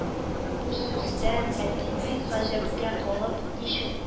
Бу сүздән әти бик гаҗәпкә калып: "Ничек